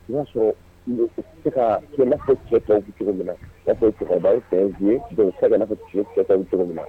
I y'a sɔrɔ n se fɛn cɛ tan cogo min na'a fɔ fɛn fɛn cɛ tan cogo min na